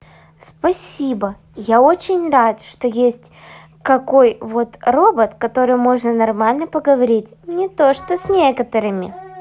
спасибо я очень рад что есть какой вот робот который можно нормально поговорить не то что с некоторыми